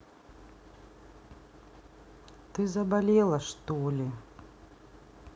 ты что заболела что ли